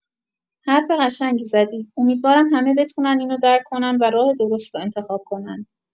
حرف قشنگی زدی، امیدوارم همه بتونن اینو درک کنن و راه درستو انتخاب کنن.